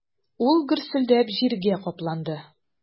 Ул гөрселдәп җиргә капланды.